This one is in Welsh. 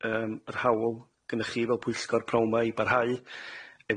yym yr hawl gynnoch chi fel pwyllgor p'nawn 'ma i barhau